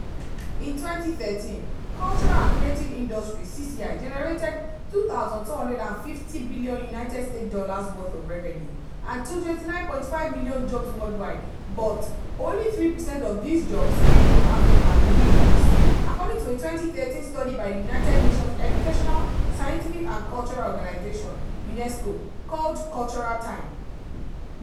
In 2013, cultural and creative industries (CCI) generated $2,250 billion United States dollars worth of revenue and 29.5 million jobs worldwide [but] only 3 percent of these jobs came from Africa and the Middle East, according to a 2013 study by the United Nations Educational, Scientific and Cultural Organization (UNESCO) called “Cultural time.”